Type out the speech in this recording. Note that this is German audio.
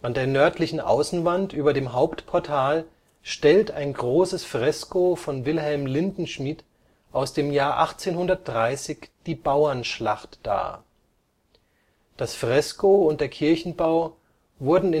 An der nördlichen Außenwand über dem Hauptportal stellt ein großes Fresko von Wilhelm Lindenschmit aus dem Jahr 1830 die Bauernschlacht dar. Das Fresko und der Kirchenbau wurden